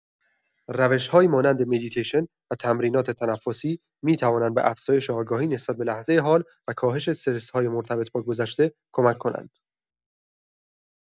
روش‌هایی مانند مدیتیشن و تمرینات تنفسی می‌توانند به افزایش آگاهی نسبت به لحظۀ حال و کاهش استرس‌های مرتبط با گذشته کمک کنند.